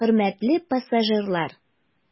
Хөрмәтле пассажирлар!